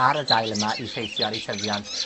ar y dail yma i ffeithio ar 'u tyfiant,